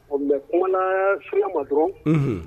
Ɔ mɛ kuma na suya ma dɔrɔn